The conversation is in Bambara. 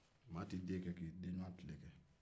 mɔgɔ tɛ i tile kɛ ka i den ɲɔgɔn tile kɛ